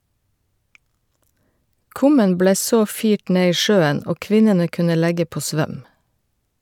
Kummen ble så firt ned i sjøen, og kvinnene kunne legge på svøm.